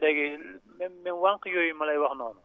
léegi même mais wànq yooyu ma lay wax noonu